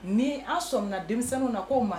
Ni an sɔnna minna denmisɛnninw na ko mara